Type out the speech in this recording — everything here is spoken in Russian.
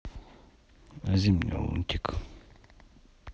зимний лунтик